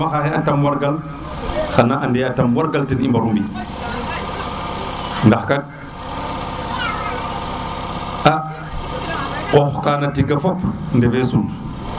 te tama xa le ata mor gan xana ande a tam war gal ten i mbaru mbi ndax kat a xox kana tigo fop ndefe sud